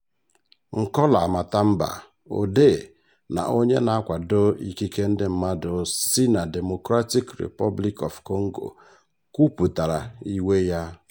S. Nkola Matamba, òdee na onye na-akwado ikike ndị mmadụ si na Democratic Republic of Congo, kwupụtara iwe ya: